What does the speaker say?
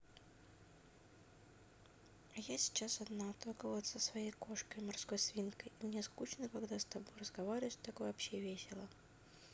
а я сейчас одна только вот со своей кошкой и морской свинкой и мне скучно когда с тобой разговариваешь так вообще весело